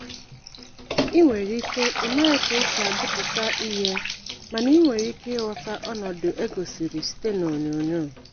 Ị nwere ike ị maghị ka esi agụpta ihe mana ị nwere ike ịghọta ọnọdụ e gosiri site n'onyonyo.